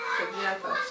sa village quoi